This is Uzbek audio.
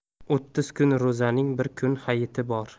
o'ttiz kun ro'zaning bir kun hayiti bor